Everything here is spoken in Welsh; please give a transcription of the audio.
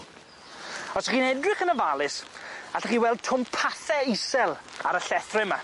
Os 'ych chi'n edrych yn ofalus allwch chi weld twmpathe isel ar y llethre 'ma.